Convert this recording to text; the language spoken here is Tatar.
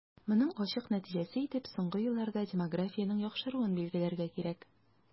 Моның ачык нәтиҗәсе итеп соңгы елларда демографиянең яхшыруын билгеләргә кирәк.